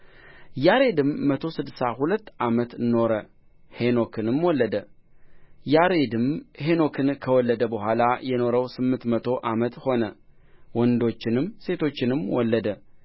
ያሬድም መቶ ስድሳ ሁለት ዓመት ኖረ ሄኖክንም ወለደ ያሬድም ሄኖክን ከወለደ በኋላ የኖረው ስምንት መቶ ዓመት ሆነ ወንዶችንም ሴቶችንም ወለደ